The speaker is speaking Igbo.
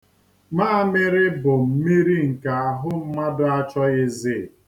Maamịrị bụ mmiri nke ahụ mmadụ achọghịzi.